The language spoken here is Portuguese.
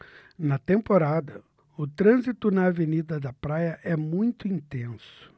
na temporada o trânsito na avenida da praia é muito intenso